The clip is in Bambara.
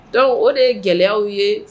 Don c o de ye gɛlɛya ye